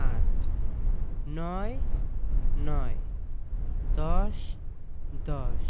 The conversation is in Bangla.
আট ৯ - নয় ১০ – দশ